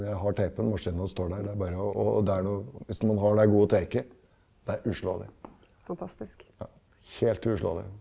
jeg har teipen, maskina står der, det er bare og det er noe hvis man har det gode taket, det er uslåelig ja helt uslåelig.